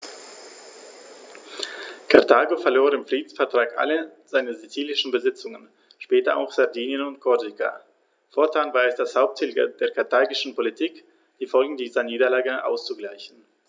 Karthago verlor im Friedensvertrag alle seine sizilischen Besitzungen (später auch Sardinien und Korsika); fortan war es das Hauptziel der karthagischen Politik, die Folgen dieser Niederlage auszugleichen.